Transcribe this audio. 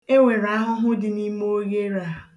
E nwere ahụhụ dị n'ime oghere a.